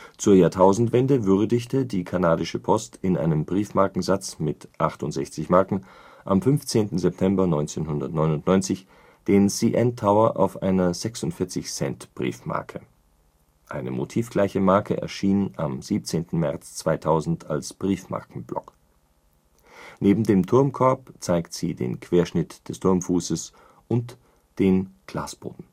Zur Jahrtausendwende würdigte die Kanadische Post in einem Briefmarkensatz mit 68 Marken am 15. September 1999 den CN Tower auf einer 46-Cent-Briefmarke (Michel-Nr. 1823 bzw. Scott-Katalog #1831), eine motivgleiche Marke erschien am 17. März 2000 als Briefmarkenblock (Michel-Block-Nummer 49). Neben dem Turmkorb zeigt sie den Querschnitt des Turmfußes und den Glasboden